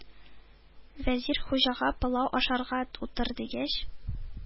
Вәзир Хуҗага, пылау ашарга утыр, дигәч,